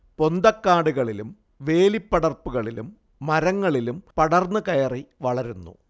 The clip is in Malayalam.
പൊന്തക്കാടുകളിലും വേലിപ്പടർപ്പുകളിലും മരങ്ങളിലും പടർന്നു കയറി വളരുന്നു